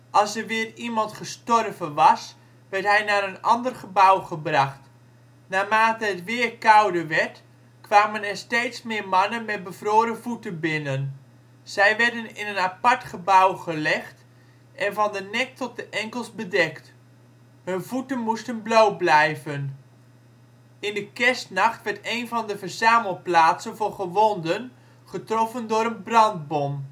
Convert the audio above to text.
Als er weer iemand gestorven was, werd hij naar een ander gebouw gebracht. Naarmate het weer kouder werd, kwamen er steeds meer mannen met bevroren voeten binnen. Zij werden in een apart gebouw gelegd en van de nek tot de enkels bedekt. Hun voeten moesten bloot blijven. In de kerstnacht werd een van de verzamelplaatsen voor gewonden getroffen door een brandbom